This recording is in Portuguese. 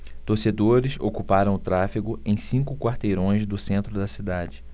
torcedores ocuparam o tráfego em cinco quarteirões do centro da cidade